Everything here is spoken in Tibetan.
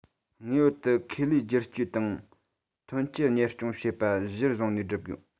ངེས པར དུ ཁེ ལས བསྒྱུར བཅོས དང ཐོན སྐྱེད གཉེར སྐྱོང བྱེད པ གཞིར བཟུང ནས བསྒྲུབ དགོས